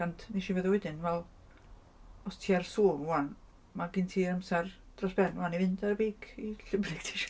Ond, wnes i feddwl wedyn, wel, os ti ar y Zoom 'wan mae gen ti'r amser dros ben 'wan i fynd ar y beic i lle bynnag ti isio.